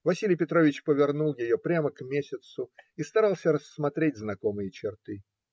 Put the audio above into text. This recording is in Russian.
Василий Петрович повернул ее прямо, к месяцу, и старался рассмотреть знакомые черты.